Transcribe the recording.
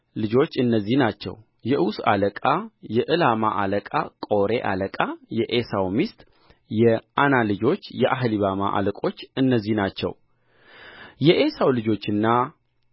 ልጆች እነዚህ ናቸው የዑስ አለቃ የዕላማ አለቃ ቆሬ አለቃ የዔሳው ሚስት የዓና ልጅ የአህሊባማ አለቆች እነዚህ ናቸው የዔሳው ልጆችና